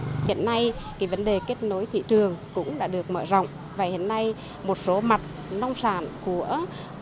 hiện nay cái vấn đề kết nối thị trường cũng đã được mở rộng và hiện nay một số mặt nông sản của